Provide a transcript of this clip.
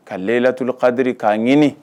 Ka lelatul kadiri k'a ɲini.